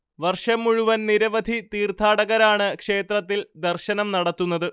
വർഷം മുഴുവൻ നിരവധി തീർത്ഥാടകരാണ് ക്ഷേത്രത്തിൻ സന്ദർശനം നടത്തുന്നത്